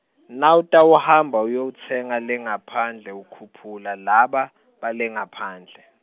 Nawutawuhamba uyowutsenga lengaphandle ukhuphula laba, bale ngaphandle.